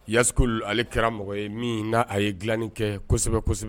Yasse ale kɛra mɔgɔ ye min n'a a ye dilanni kɛ kosɛbɛ kosɛbɛ